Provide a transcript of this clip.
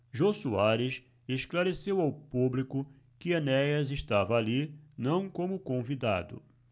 jô soares esclareceu ao público que enéas estava ali não como convidado